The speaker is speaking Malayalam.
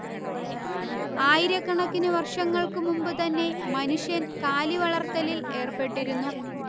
ആയിരക്കണക്കിനു വർഷങ്ങൾക്കു മുമ്പുതന്നെ മനുഷ്യൻ കാലി വളർത്തലിൽ ഏർപ്പെട്ടിരുന്നു